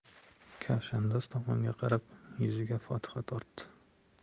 kavshandoz tomonga qarab yuziga fotiha tortdi